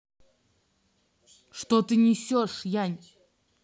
ты что несешь янь